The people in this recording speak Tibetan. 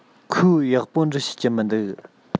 ཁོས ཡག པོ འབྲི ཤེས ཀྱི མི འདུག